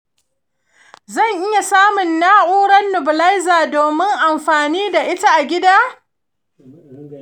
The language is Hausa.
zan iya samun na’urar nebulizer domin amfani da ita a gida?